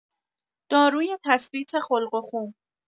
داروی تثبیت خلق و خو